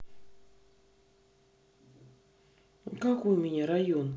какой у меня район